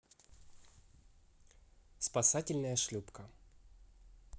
спасательная шлюпка